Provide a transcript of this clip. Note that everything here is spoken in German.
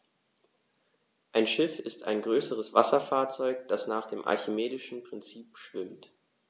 Ein Schiff ist ein größeres Wasserfahrzeug, das nach dem archimedischen Prinzip schwimmt.